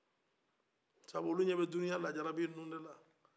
sabu olu ɲɛbɛ dunuya lajarabi ninnu de la